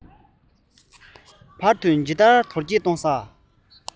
བར དུ ཇི ལྟར དར བ